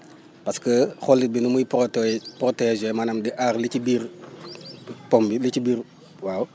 parce que xollit bi ni muy proté protéger maanaam di aar li ci biir pomme bi li ci biir waaw